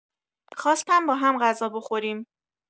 خواستم باهم غذا بخوریم.